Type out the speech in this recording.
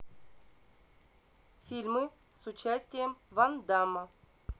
фильмы с участием ван дамма